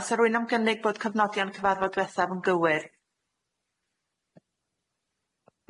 O'sa rywun am gynnig bod cofnodion cyfarfod dwethaf yn gywir?